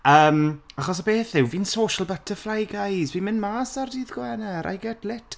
Yym achos y beth yw, fi'n social butterfly guys fi'n mynd mas ar Dydd Gwener I get lit.